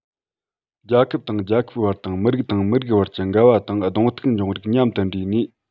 རྒྱལ ཁབ དང རྒྱལ ཁབ བར དང མི རིགས དང མི རིགས བར གྱི འགལ བ དང གདོང གཏུག འབྱུང རིགས མཉམ དུ འདྲེས ནས